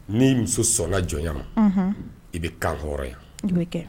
Ni'i muso sɔnna jɔn ma i bɛ kan hɔrɔn yan i bɛ kɛ